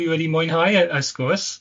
Dwi wedi mwynhau y y sgwrs.